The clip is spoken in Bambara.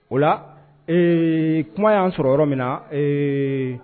O la ee kuma y'a sɔrɔ yɔrɔ min na ee